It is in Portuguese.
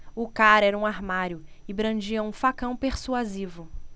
o cara era um armário e brandia um facão persuasivo